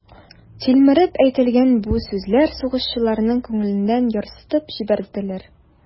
Тилмереп әйтелгән бу сүзләр сугышчыларның күңелен ярсытып җибәрделәр.